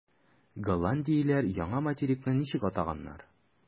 Голландиялеләр яңа материкны ничек атаганнар?